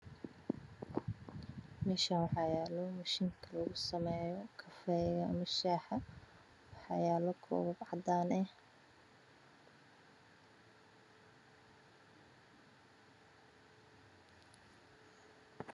Meshan waxa yalo mashiin ka lagu sameyo Kafeyga ama shaxa waxa yalo kobab cadan eh